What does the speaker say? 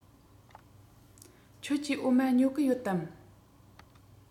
ཁྱོད ཀྱིས འོ མ ཉོ གི ཡོད དམ